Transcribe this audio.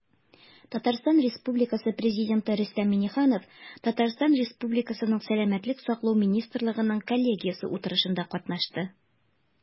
Татарстан Республикасы Президенты Рөстәм Миңнеханов ТР Сәламәтлек саклау министрлыгының коллегиясе утырышында катнашты.